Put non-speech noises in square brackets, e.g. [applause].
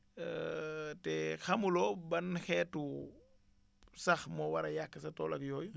[hesitation] te xamuloo ban xeetu sax moo war a yàq sa tool ak yooyu